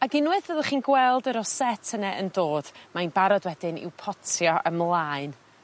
Ac unweth fyddwch chi'n gweld y roset yna yn dod mae'n barod wedyn i'w potio ymlaen.